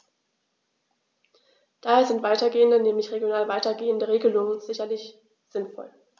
Daher sind weitergehende, nämlich regional weitergehende Regelungen sicherlich sinnvoll.